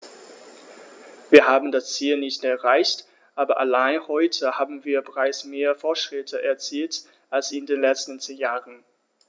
Wir haben das Ziel nicht erreicht, aber allein heute haben wir bereits mehr Fortschritte erzielt als in den letzten zehn Jahren.